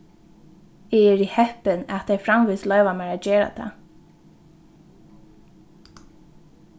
eg eri heppin at tey framvegis loyva mær at gera tað